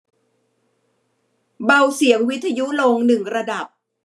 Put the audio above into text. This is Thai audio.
เบาเสียงวิทยุลงหนึ่งระดับ